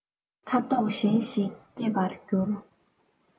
ཁ དོག གཞན ཞིག སྐྱེ བར འགྱུར